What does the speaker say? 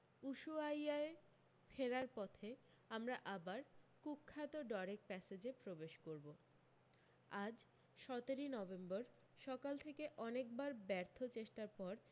উশুয়াইয়ায় ফেরার পথে আমরা আবার কুখ্যাত ডরেক প্যাসেজে প্রবেশ করব আজ সতেরি নভেম্বর সকাল থেকে অনেকবার ব্যর্থ চেষ্টার পর